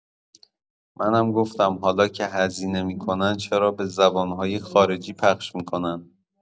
منم گفتم حالا که هزینه می‌کنن چرا به زبان‌های خارجی پخش می‌کنن؟